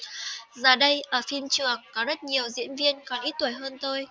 giờ đây ở phim trường có rất nhiều diễn viên còn ít tuổi hơn tôi